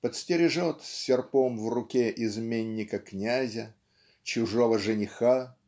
подстережет с серпом в руке изменника-князя чужого жениха